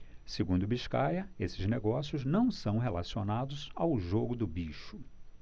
segundo biscaia esses negócios não são relacionados ao jogo do bicho